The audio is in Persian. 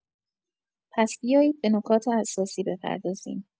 پس بیایید به نکات اساسی بپردازیم.